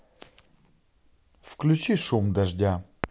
выключи шум дождя